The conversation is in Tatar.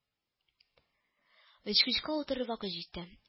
Очкычка утырыр вакыт җитте